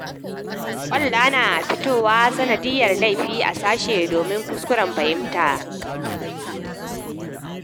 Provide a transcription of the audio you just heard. kwalla na fitowa sanadiyar laifi a sashe domin kuskuren fahimta.